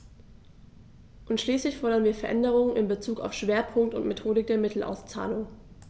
Und schließlich fordern wir Veränderungen in bezug auf Schwerpunkt und Methodik der Mittelauszahlung.